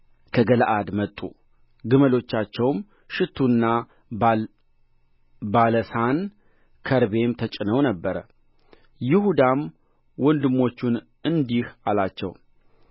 ከገለዓድ መጡ ግመሎቻቸውም ሽቱና በለሳን ከርቤም ተጭነው ነበር ይሁዳም ወንድሞቹን እንዲህ አላቸው